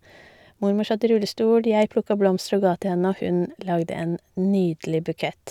Mormor satt i rullestol, jeg plukka blomster og gav til henne, og hun lagde en nydelig bukett.